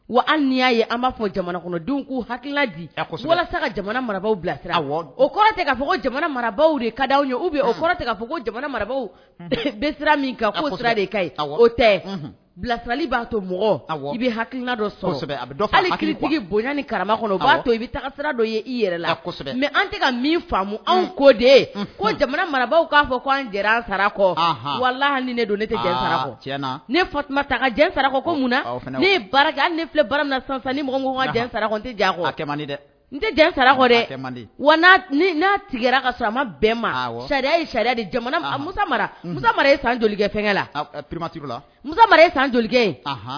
Wa an ni y'a ye an b'a fɔ jamana kɔnɔdenw'u hala a sa ka jamana mara bila ka fɔ ko jamana marabaw de ka di u o ko jamana mara min o tɛ bilasirali b'a to mɔgɔ i bɛ ha kitigi bonya ni kara kɔnɔ'a i bɛ i yɛrɛ la mɛ an tɛ ka min anw ko ko jamana marabagaw'a fɔ an sarakɔ wala don ne fa sarakɔ munna ne filɛ bara san n tɛ saraa ka a ma bɛn ma sankɛ fɛnkɛ la san joli ye